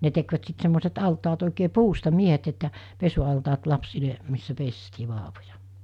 ne tekivät sitten semmoiset altaat oikein puusta miehet että pesualtaat lapsille missä pestiin vauvoja